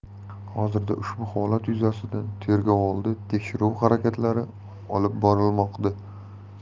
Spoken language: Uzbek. hozirda ushbu holat yuzasidan tergovoldi tekshiruv harakatlari olib borilmoqda